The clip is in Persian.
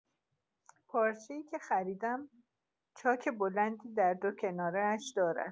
پارچه‌ای که خریدم، چاک بلندی در دو کناره‌اش دارد.